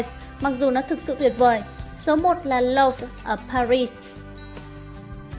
mặc dù nó thực sự tuyệt vời số một là louvre ở paris